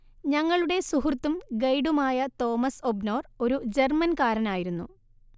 ഞങ്ങളുടെ സുഹൃത്തും ഗൈഡുമായ തോമസ് ഓബ്നോർ ഒരു ജർമൻകാരനായിരുന്നു